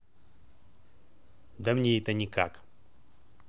да мне это никак